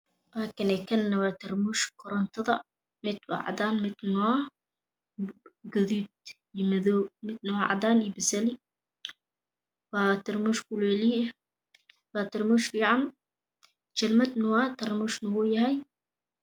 Kana waa tarmuska kalar koda waa baseli iyo gadud madow iyo cadan